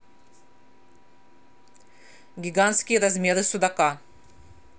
гигантские размеры судака